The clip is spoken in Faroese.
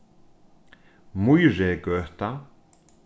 mýrigøta